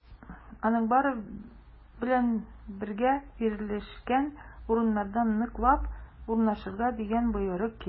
Аның белән бергә ирешелгән урыннарда ныклап урнашырга дигән боерык килде.